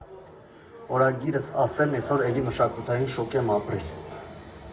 Օրագրիս ասեմ՝ էսօր էլի մշակութային շոկ եմ ապրել։